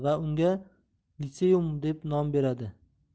va unga liseum deb nom beradi